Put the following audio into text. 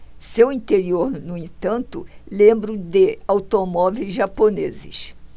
seu interior no entanto lembra o de automóveis japoneses